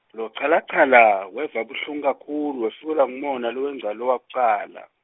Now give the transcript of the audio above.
lochalachala, weva buhlungu kakhulu wefikelwa ngumona lowengca lowakucala.